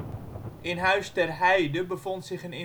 In Huis ter Heide bevond zich een